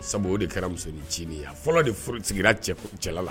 Sabu o de kɛra musonincinin ye fɔlɔ de sigira cɛla la